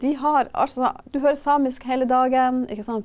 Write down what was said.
de har altså du hører samisk heile dagen ikke sant.